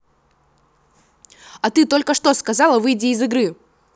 а ты только что сказала выйди из игры